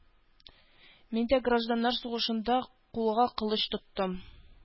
Мин дә гражданнар сугышында кулга кылыч тоттым